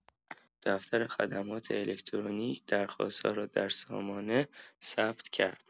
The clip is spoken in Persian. دفتر خدمات الکترونیک درخواست‌ها را در سامانه ثبت کرد.